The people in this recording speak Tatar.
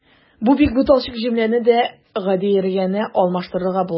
Бу бик буталчык җөмләне дә гадиерәгенә алмаштырырга булдым.